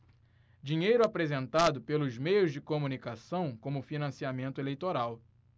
dinheiro apresentado pelos meios de comunicação como financiamento eleitoral